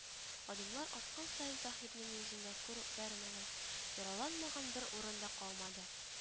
Адымнар арткан саен Таһирның йөзендә күргәрмәгән, яраланмаган бер урын да калмады